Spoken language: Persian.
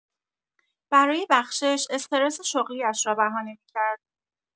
برای بخشش، استرس شغلی‌اش را بهانه می‌کرد.